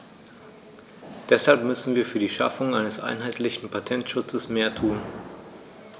Deshalb müssen wir für die Schaffung eines einheitlichen Patentschutzes mehr tun.